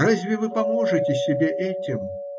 – Разве вы поможете себе этим?